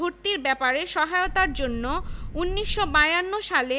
বরাবরই বিশ্ববিদ্যালয় দল বিভিন্ন ক্রীড়াক্ষেত্রে বিশেষ ভূমিকা রাখছে ১৯২৩ সালে